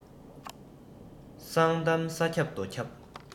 གསང གཏམ ས ཁྱབ རྡོ ཁྱབ